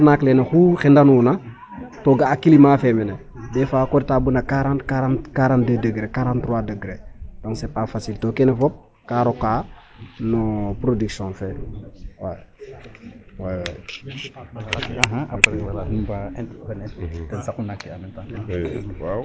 Nak leke oxu xendanuna to ga'a climat fe mene dés fois ko reta no quarante quarante deux dégrés quarante trois degrés donc c' est pas facile to kene fop kaa rokaa no production fe oui.